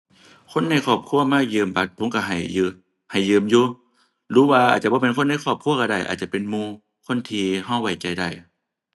คนในครอบครัวมายืมบัตรผมก็ให้ยือ ให้ยืมอยู่ หรือว่าอาจจะบ่แม่นคนในครอบครัวก็ได้ อาจจะเป็นหมู่คนที่ก็ไว้ใจได้